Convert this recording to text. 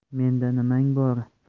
menda nimang bor